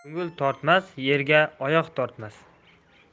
ko'ngil tortmas yerga oyoq tortmas